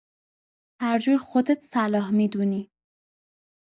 هر جور خودت صلاح می‌دونی.